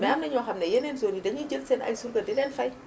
mais am na ñoo xam ne yeneen zone yi dañuy jël seen ay surga di leen fay